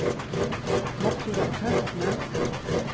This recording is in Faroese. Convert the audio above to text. náttúra og tøkni